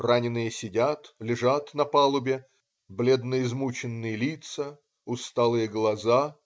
Раненые сидят, лежат на палубе бледны измученные лица усталые глаза